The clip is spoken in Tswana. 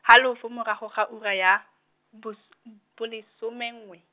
halofo morago ga ura ya, bos- , bolesome nngwe.